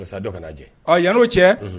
Masasa dɔ ka jɛ yan n'o cɛ